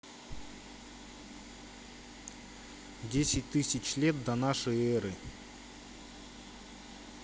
десять тысяч лет до нашей эры